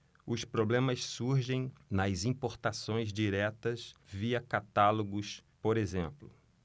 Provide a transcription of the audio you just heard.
os problemas surgem nas importações diretas via catálogos por exemplo